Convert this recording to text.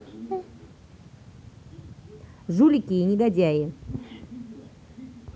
жулики и негодяи